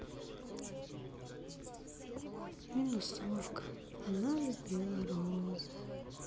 минусовка она любила розы